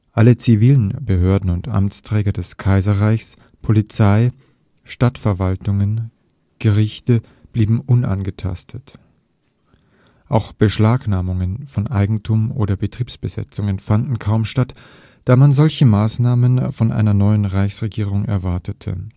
Alle zivilen Behörden und Amtsträger des Kaiserreichs – Polizei, Stadtverwaltungen, Gerichte – blieben unangetastet. Auch Beschlagnahmungen von Eigentum oder Betriebsbesetzungen fanden kaum statt, da man solche Maßnahmen von einer neuen Reichsregierung erwartete